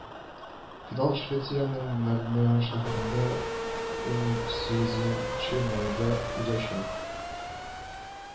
Финал Швециянең Мальме шәһәрендә унсигезе нче майда узачак